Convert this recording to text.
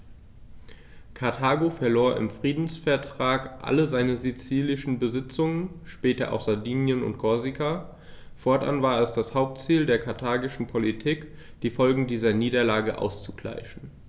Karthago verlor im Friedensvertrag alle seine sizilischen Besitzungen (später auch Sardinien und Korsika); fortan war es das Hauptziel der karthagischen Politik, die Folgen dieser Niederlage auszugleichen.